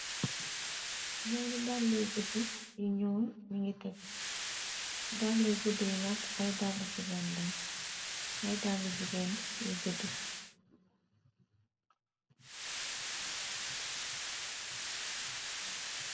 Naari dalli guddu yi ñyul ni ngi tege dalliy guddu yi nak ay dalli jigéen yi guddu.